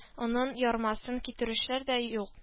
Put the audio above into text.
Онын, ярмасын китерүчеләр дә юк